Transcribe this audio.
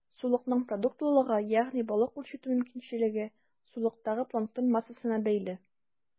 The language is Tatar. Сулыкның продуктлылыгы, ягъни балык үрчетү мөмкинчелеге, сулыктагы планктон массасына бәйле.